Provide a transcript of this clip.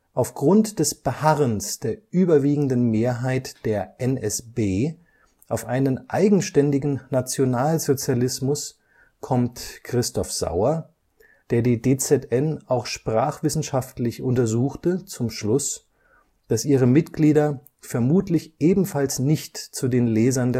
Aufgrund des Beharrens der überwiegenden Mehrheit der NSB auf einen eigenständigen Nationalsozialismus kommt Christoph Sauer, der die DZN auch sprachwissenschaftlich untersuchte, zum Schluss, dass ihre Mitglieder vermutlich ebenfalls nicht zu den Lesern